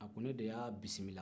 a ko ne de y'a bisimila